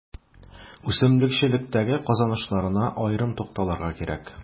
Үсемлекчелектәге казанышларына аерым тукталырга кирәк.